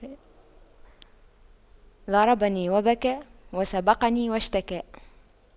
ضربني وبكى وسبقني واشتكى